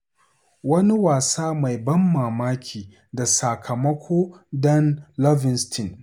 Wani wasa mai ban mamaki da sakamako don Livingston.